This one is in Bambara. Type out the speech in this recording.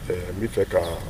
Ɛɛ n b'i fɛ ka